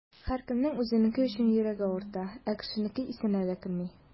Һәркемнең үзенеке өчен йөрәге авырта, ә кешенеке исенә дә керми.